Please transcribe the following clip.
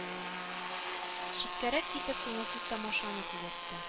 Читкәрәк китеп күңелсез тамашаны күзәтте